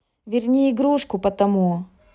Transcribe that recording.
верни игрушку потому